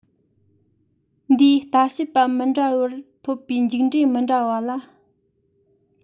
འདིས ལྟ དཔྱད པ མི འདྲ བར ཐོབ པའི མཇུག འབྲས མི འདྲ བ ལ